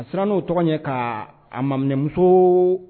A siran n'o tɔgɔ ye ka a maminɛmuso